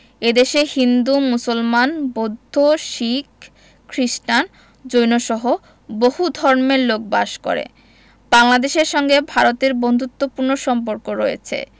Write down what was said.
এ দেশে হিন্দু মুসলমান বৌদ্ধ শিখ খ্রিস্টান জৈনসহ বহু ধর্মের লোক বাস করে বাংলাদেশের সঙ্গে ভারতের বন্ধুত্তপূর্ণ সম্পর্ক রয়ছে